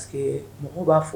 Parce que mɔgɔw b'a fɔ